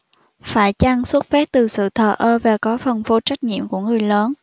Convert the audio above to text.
phải chăng xuất phát từ sự thờ ơ và có phần vô trách nhiệm của người lớn